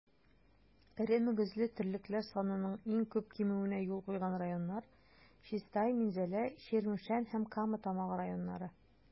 Эре мөгезле терлекләр санының иң күп кимүенә юл куйган районнар - Чистай, Минзәлә, Чирмешән һәм Кама Тамагы районнары.